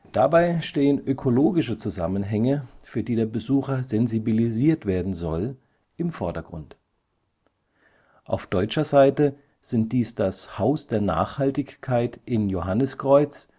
Dabei stehen ökologische Zusammenhänge, für die der Besucher sensibilisiert werden soll, im Vordergrund. Auf deutscher Seite sind dies das Haus der Nachhaltigkeit in Johanniskreuz